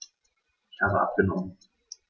Ich habe abgenommen.